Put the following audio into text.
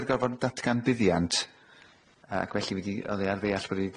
gorfod ddatgan buddiant ac felly iddi- oddi ar ddeall bod i